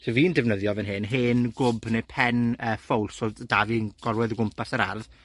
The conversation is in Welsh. so fi'n defnyddio fan hyn hen gwb neu pen yy ffowls odd 'da fi'n gorwedd o gwmpas yr ardd.